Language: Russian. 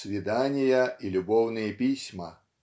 свидания и любовные письма